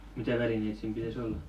mitä välineitä siinä pitäisi olla